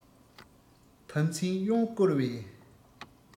བམ སྲིང གཡོན སྐོར བས